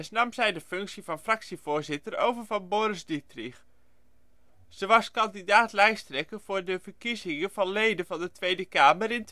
nam zij de functie van fractievoorzitter over van Boris Dittrich. Ze was kandidaat-lijsttrekker voor de verkiezingen van leden van de Tweede Kamer in